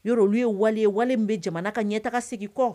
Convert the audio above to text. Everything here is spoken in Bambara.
N' olu ye wale ye wale bɛ jamana ka ɲɛ taga segin kɔ